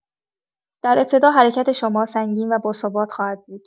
در ابتدا حرکت شما سنگین و باثبات خواهد بود.